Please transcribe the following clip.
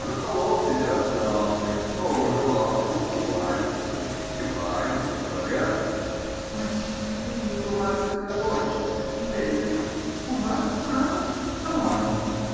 За столом сидят дамы, тоже ласково улыбаются мне, кивают и говорят: -- Очень мил у вас этот очерк "Нелли". У вас, право, талант.